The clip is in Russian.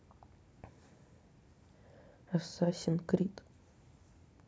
ассасин крид